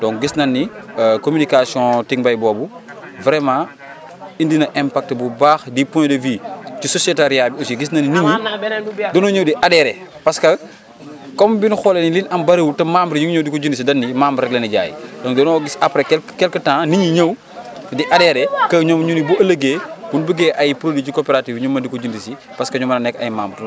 donc gis nañu ni communication Ticmbay boobu vraiment indi na impact bu baax du point de vue ci sociétariat bi aussi gis nañu nit ñi dañoo ñëw di adheré parce que comme bi nu xoolee ne li ñu am bëriwul te membres yi ñu ngi ñëw di ko jënd si dañu ne membre rek la ñuy jaay donc dañoo gis après quelque quelque temps nit ñi ñëw di adheré que ñoom ñu ne bu ëllëgee bu ñu bëggee ay produits ci coopérative bi ñu mën di ko jënd si parce que ñu mën a nekk ay membres